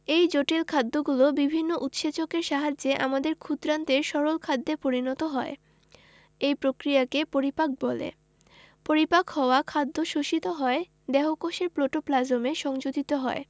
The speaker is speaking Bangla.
এই জটিল খাদ্যগুলো বিভিন্ন উৎসেচকের সাহায্যে আমাদের ক্ষুদ্রান্তে সরল খাদ্যে পরিণত হয় এই প্রক্রিয়াকে পরিপাক বলে পরিপাক হওয়া খাদ্য শোষিত হয়ে দেহকোষের প্রোটোপ্লাজমে সংযোজিত হয়